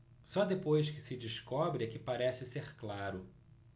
só depois que se descobre é que parece ser claro